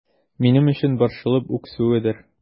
Минем өчен борчылып үксүедер...